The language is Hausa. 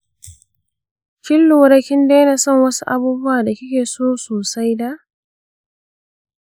kin lura kin daina son wasu abubuwa da kike so sosai da?